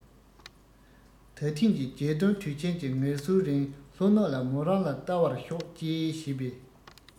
ད ཐེངས ཀྱི རྒྱལ སྟོན དུས ཆེན གྱི ངལ གསོའི རིང ལྷོ ནུབ ལ མོ རང ལ བལྟ བར ཤོག ཅེས བྱས པས